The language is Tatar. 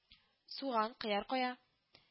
- суган, кыяр кая